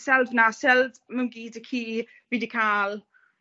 seld 'na seld mamgu d'cu fi di ca'l